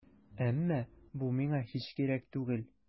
Әмма бу миңа һич кирәк түгел.